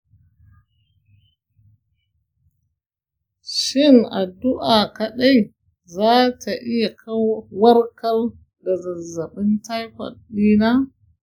shin addu’a kaɗai za ta iya warkar da zazzabin typhoid ɗina?